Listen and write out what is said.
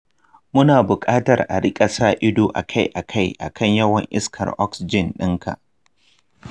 muna buƙatar a rika sa ido akai-akai kan yawan iskar oxygen ɗinka.